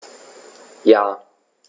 Ja.